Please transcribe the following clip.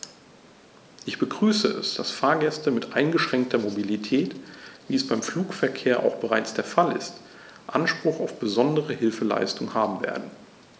Ich begrüße es, dass Fahrgäste mit eingeschränkter Mobilität, wie es beim Flugverkehr auch bereits der Fall ist, Anspruch auf besondere Hilfeleistung haben werden.